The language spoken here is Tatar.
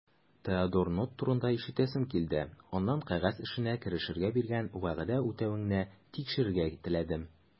Теодор Нотт турында ишетәсем килде, аннан кәгазь эшенә керешергә биргән вәгъдә үтәвеңне тикшерергә теләдем.